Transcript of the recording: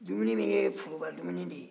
dumuni bɛ kɛ foroba dumuni de ye